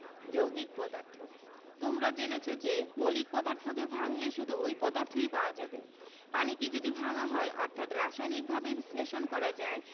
যৌগিক পদার্থ তোমরা জেনেছ যে মৌলিক পদার্থকে ভাঙলে শুধু ঐ পদার্থই পাওয়া যাবে পানিকে যদি ভাঙা হয় অর্থাৎ রাসায়নিকভাবে বিশ্লেষণ করা যায়